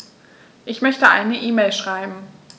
Ich möchte eine E-Mail schreiben.